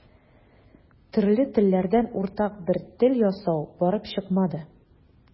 Төрле телләрдән уртак бер тел ясау барып чыкмады.